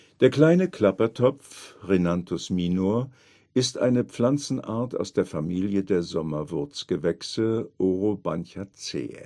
Der Kleine Klappertopf (Rhinanthus minor) ist eine Pflanzenart aus der Familie der Sommerwurzgewächse (Orobanchaceae). Er